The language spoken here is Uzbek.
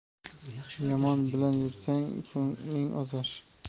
yomon bilan yursang ko'ngling ozar